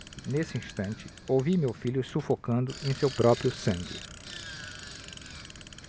nesse instante ouvi meu filho sufocando em seu próprio sangue